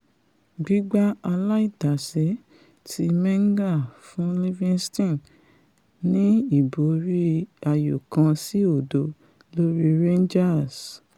Gbígbá aláìtàsé ti Menga fún Livingston ní ìborí 1-0 lórí Rangers.